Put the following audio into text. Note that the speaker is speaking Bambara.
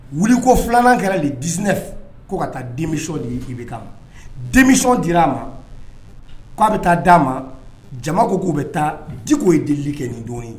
Wuli ko filanan kɛra de diinɛ ko ka taa denmi de ye i bɛ kan denmi dir' a ma k'a bɛ taa d di'a ma jama ko k'u bɛ taa diko ye delili kɛ ni don ye